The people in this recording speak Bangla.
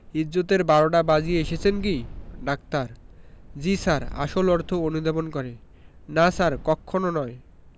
ইজ্জতের বারোটা বাজিয়ে এসেছেন কি ডাক্তার জ্বী স্যার আসল অর্থ অনুধাবন করে না স্যার কক্ষণো নয়